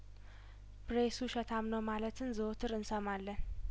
ፕሬሱ ውሸታም ነው ማለትን ዘወትር እንሰማለን